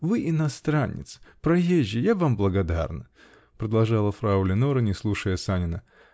-- Вы иностранец, проезжий, я вам благодарна, -- продолжала фрау Леноре, не слушая Санина.